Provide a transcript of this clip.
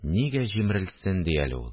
Нигә җимерелсен ди әле ул